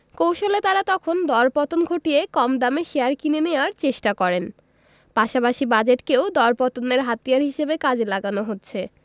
কৌশলে তাঁরা তখন দরপতন ঘটিয়ে কম দামে শেয়ার কিনে নেওয়ার চেষ্টা করেন পাশাপাশি বাজেটকেও দরপতনের হাতিয়ার হিসেবে কাজে লাগানো হচ্ছে